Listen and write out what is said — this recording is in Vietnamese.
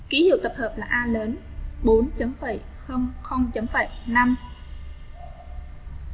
ký hiệu tập hợp là chấm phẩy